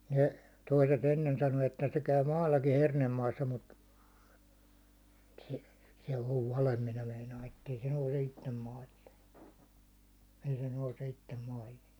ne toiset ennen sanoi että se käy maallakin hernemaassa mutta se se on vale minä meinaan että ei se nouse itse maille ei se nouse itse maihin